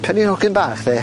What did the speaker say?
Pen oni'n ogyn bach de?